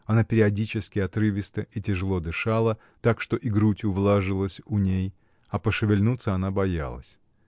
Она периодически, отрывисто и тяжело дышала, так что и грудь увлажилась у ней, а пошевельнуться она боялась.